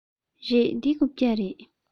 རེད འདི རྐུབ བཀྱག རེད